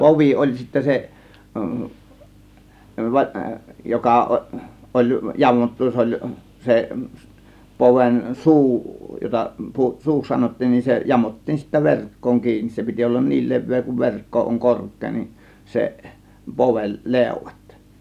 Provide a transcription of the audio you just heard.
povi oli sitten se joka - oli jamottu se oli se se poven suu jota suuksi sanottiin niin se jamottiin sitten verkkoon kiinni se piti olla niin leveä kuin verkko on korkea niin se poven leuat